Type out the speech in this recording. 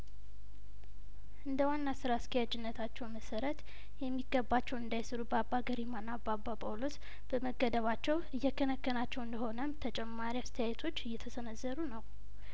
እንደ ዋና ስራ አስኪያጅነታቸው መስራት የሚገባቸውን እንዳይሰሩ በአባገሪማና በአባ ጳውሎስ በመ ገደባቸው እየከነከ ናቸው እንደሆነም ተጨማሪ አስተያየቶች እየተሰነዘሩ ነው